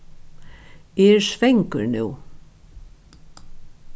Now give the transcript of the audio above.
eg eri svangur nú